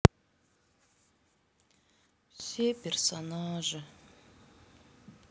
все персонажи